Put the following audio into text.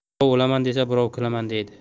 birov o'laman desa birov kulaman deydi